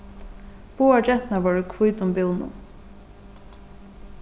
báðar genturnar vóru í hvítum búnum